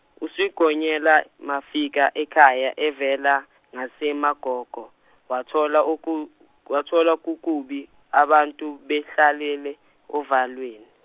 uSigonyela wafika ekhaya evela ngaseMagogo, wathola ku wathola kukubi abantu behlalele, ovalweni.